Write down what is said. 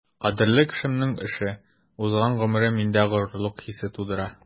Кадерле кешемнең эше, узган гомере миндә горурлык хисе тудыра.